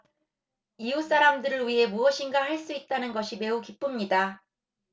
이웃 사람들을 위해 무엇인가 할 수 있다는 것이 매우 기쁩니다